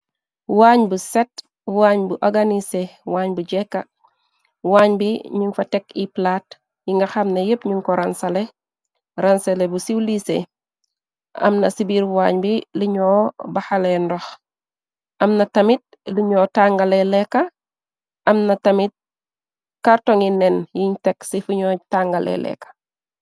Waañ bu set waañ bu oganisé waañ bu jekka waañ bi ñun fa tekk iplaat yi nga xam na yépp ñun ko ranse ransale bu siiw liise amna ci biir waañ bi liñoo baxalee ndox amna tamit liñoo tàngale lekka am na tamit kàrtoŋgi nen yiñ tekk ci fuñuo tàngale leeka.